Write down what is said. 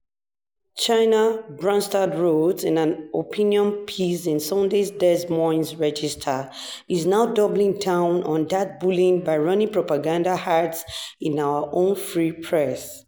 China, Branstad wrote in an opinion piece in Sunday's Des Moines Register, "is now doubling down on that bullying by running propaganda ads in our own free press."